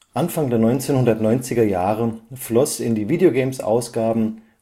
Anfang der 1990er-Jahre floss in die Video Games-Ausgaben